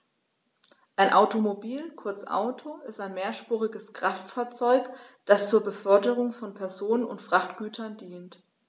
Ein Automobil, kurz Auto, ist ein mehrspuriges Kraftfahrzeug, das zur Beförderung von Personen und Frachtgütern dient.